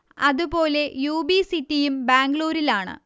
അതു പോലെ U B സിറ്റിയും ബാംഗ്ലൂരിലാണ്